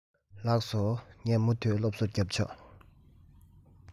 ལགས སོ ངས མུ མཐུད སློབ གསོ རྒྱབ ཆོག